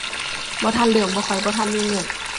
บ่ทันเริ่ม เพราะข้อยบ่ทันมีเงิน